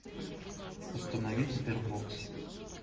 установить sberbox